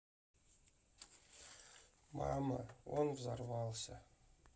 мама он взорвался